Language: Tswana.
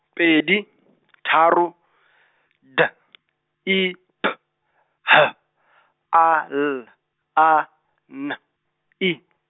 pedi , tharo , D I P H A L A, N, E.